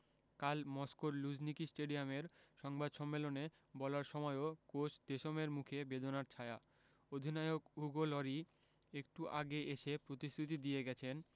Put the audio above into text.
কাল মস্কোর লুঝনিকি স্টেডিয়ামের সংবাদ সম্মেলনে বলার সময়ও কোচ দেশমের মুখে বেদনার ছায়া অধিনায়ক উগো লরি একটু আগে এসে প্রতিশ্রুতি দিয়ে গেছেন